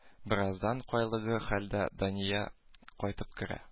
Бераздан кайлыгы хәлдә дания кайтып керә